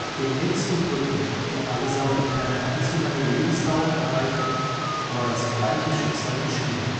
den nächsten Brücken, die allesamt keine allzu lange Lebensdauer erreichten, war das gleiche Schicksal beschieden